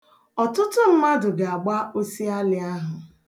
Ọtụtụ mmadụ ga-agba osialị ahụ.